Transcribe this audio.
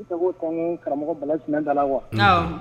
I' sago kɔn karamɔgɔ bala tun da la wa